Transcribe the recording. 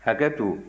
hakɛ to